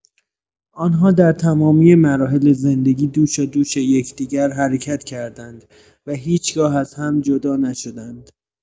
آن‌ها در تمامی مراحل زندگی، دوشادوش یکدیگر حرکت کردند و هیچ‌گاه از هم جدا نشدند.